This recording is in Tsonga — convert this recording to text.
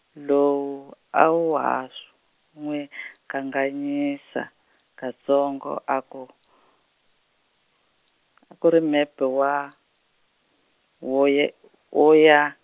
lowu awa ha, n'wi kanganyisa kantsongo a ku, a ku ri mepe wa, wo ye, wo ya.